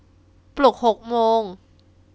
ปลุกหกโมง